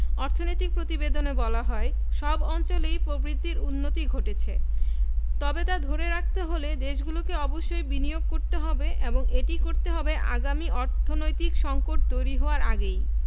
অর্থনৈতিক প্রতিবেদনে বলা হয় সব অঞ্চলেই প্রবৃদ্ধির উন্নতি ঘটছে তবে তা ধরে রাখতে হলে দেশগুলোকে অবশ্যই বিনিয়োগ করতে হবে এবং এটি করতে হবে আগামী অর্থনৈতিক সংকট তৈরি হওয়ার আগেই